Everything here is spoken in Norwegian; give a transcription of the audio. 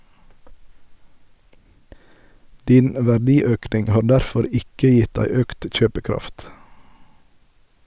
Din verdiøkning har derfor ikke gitt deg økt kjøpekraft.